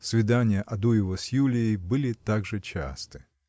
Свидания Адуева с Юлией были так же часты.